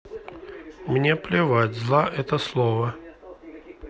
мне плевать зла это слово